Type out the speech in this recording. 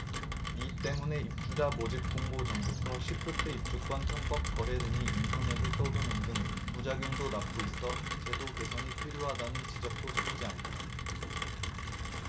이 때문에 입주자 모집공고 전부터 시프트 입주권 편법 거래 등이 인터넷에 떠도는 등 부작용도 낳고 있어 제도 개선이 필요하다는 지적도 적지 않다